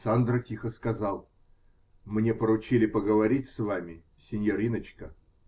Сандро тихо сказал: -- Мне поручили поговорить с вами, синьориночка.